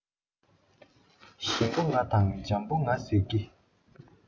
ཞིམ པོ ང དང འཇམ པོ ང ཟེར གྱི